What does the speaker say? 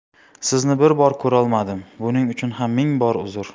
sizni bir borib ko'rolmadim buning uchun ham ming bor uzr